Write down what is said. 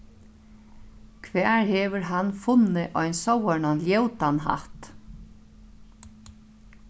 hvar hevur hann funnið ein sovorðnan ljótan hatt